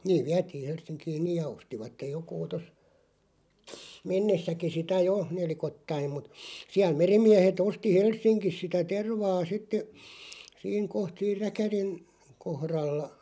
niin vietiin Helsinkiin niin ja ostivat joku tuossa mennessäkin sitä jo nelikoittain mutta siellä merimiehet osti Helsingissä sitä tervaa sitten siinä kohta siinä räkärin kohdalla